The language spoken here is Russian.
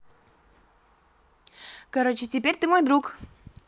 короче ты теперь мой друг